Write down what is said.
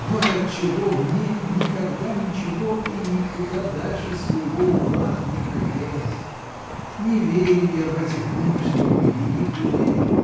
Вот отчего мне никогда ничего и никуда дальше своего угла не хотелось: не верю я в этих нынешних великих людей.